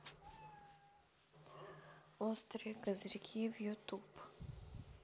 острые козырьки в ютуб